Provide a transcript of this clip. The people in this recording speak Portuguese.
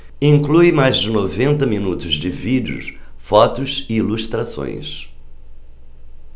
inclui mais de noventa minutos de vídeo fotos e ilustrações